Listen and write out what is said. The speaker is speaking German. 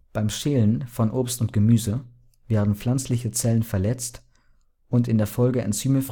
Beim Schälen von Obst und Gemüse werden pflanzliche Zellen verletzt und in der Folge Enzyme